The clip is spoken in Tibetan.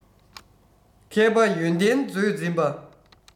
མཁས པ ཡོན ཏན མཛོད འཛིན པ